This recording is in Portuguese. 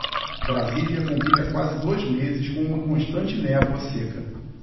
brasília convive há quase dois meses com uma constante névoa seca